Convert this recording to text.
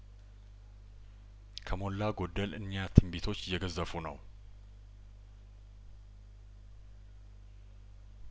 ከሞላ ጐደል እኒያትንቢቶች እየገዘፉ ነው